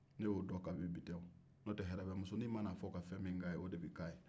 ne y'o dɔn kami bi tɛ wo n'otɛ yɛrɛ musonin mana fɔ ka fɛn min k'a ye o de bɛ k'a ye